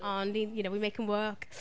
Ond, i... you know, we make 'em work.